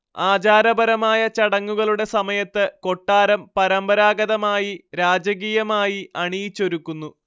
ആചാരപരമായ ചടങ്ങുകളുടെ സമയത്ത് കൊട്ടാരം പരമ്പരാഗതമായി രാജകീയമായി അണിയിച്ചൊരുക്കുന്നു